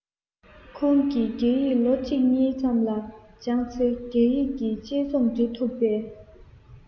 ཁོང གིས རྒྱ ཡིག ལོ གཅིག གཉིས ཙམ ལ སྦྱངས ཚེ རྒྱ ཡིག གི དཔྱད རྩོམ འབྲི ཐུབ པས